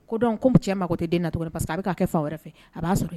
Ko dɔn kɔmi cɛ ma ko tɛ den na tuguni pa a bɛ k'a kɛ fa aw wɛrɛ fɛ a b'a sɔrɔ